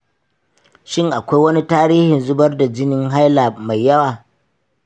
shin akwai tarihin zubar jinin haila mai yawa ?